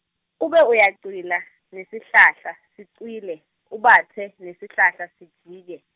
ube uyacwila, nesihlahla, sicwile, ubatse, nesihlahla sijike.